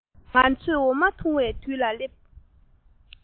ང ཚོས འོ མ འཐུང བའི དུས ལ སླེབས